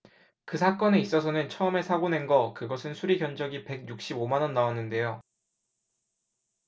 그 사건에 있어서는 처음에 사고 낸 거 그것은 수리 견적이 백 육십 오 만 원 나왔는데요